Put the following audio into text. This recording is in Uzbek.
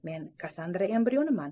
men kassandra embrionman